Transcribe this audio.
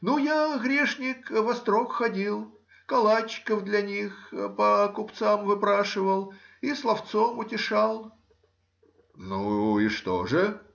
Ну я, грешник, в острог ходил, калачиков для них по купцам выпрашивал и словцом утешал. — Ну и что же?